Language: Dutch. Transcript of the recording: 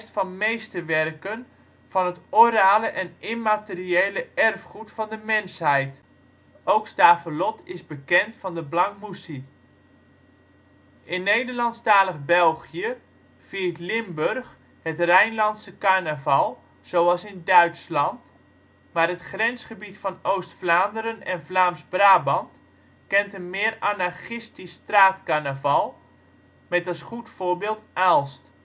van Meesterwerken van het Orale en Immateriële Erfgoed van de Mensheid. Ook Stavelot is bekend voor de Blancs-Moussis. In Nederlandstalig België viert Limburg het Rijnlandse carnaval, zoals in Duitsland, maar het grensgebied van Oost-Vlaanderen en Vlaams-Brabant kent een meer anarchistisch straatcarnaval met als goed voorbeeld Aalst